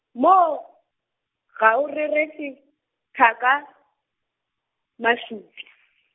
moo, ga o rereše, Thaka, Mashupje.